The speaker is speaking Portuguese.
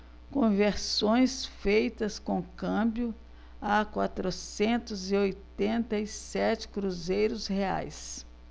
conversões feitas com câmbio a quatrocentos e oitenta e sete cruzeiros reais